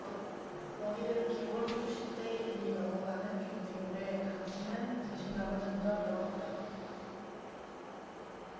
어디든 기본 수십대 일 이 넘어가는 경쟁률에 강 씨는 자신감을 점점 잃어 갔다